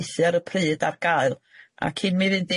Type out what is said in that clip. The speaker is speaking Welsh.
Cyfieithu ar y pryd ar gael a cyn mi fynd